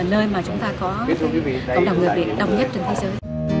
nơi mà chúng ta có cộng đồng người việt đông nhất trên